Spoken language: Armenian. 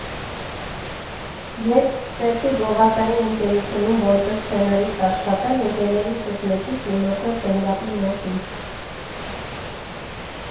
Երբ սկսեցի գովազդային ընկերությունում որպես սցենարիստ աշխատել, ընկերներիցս մեկից իմացա ստենդափի մասին։